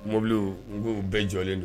Mɔbilw minu bɛɛ jɔlen don